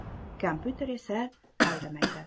kompyuter esa aldamaydi